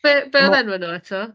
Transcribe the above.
Be be oedd enwau nhw eto?